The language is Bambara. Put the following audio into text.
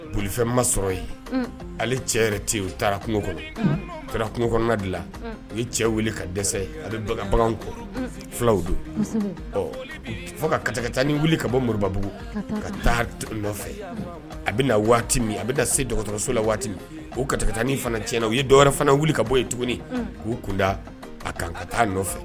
Bolifɛnma sɔrɔ yen ale cɛ yɛrɛ te yen u taara kungo kɔnɔ kɛra kungo kɔnɔna de la u ye cɛ wuli ka dɛsɛ a bɛ bagan kɔ fulaw don ɔ fo ka kataka tanani wuli ka bɔ moribabugu ka taari nɔfɛ a bɛ na waati min a bɛ na se dɔgɔtɔrɔso la waati min u kata taa ni fana tiɲɛna u ye dɔwɛrɛ fana wuli ka bɔ yen tuguni k'u kunda a kan ka taa nɔfɛ